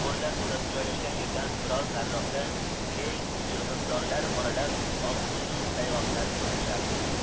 bo'rilar to'dasi joylashgan yerdan bir oz nariroqda keng jilg'inzorlar oralab oqquymq sayg'oqlar o'tlashardi